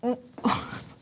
xin